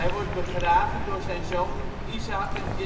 wordt begraven door zijn zonen Izaäk en